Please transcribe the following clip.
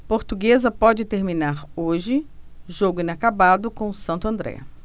portuguesa pode terminar hoje jogo inacabado com o santo andré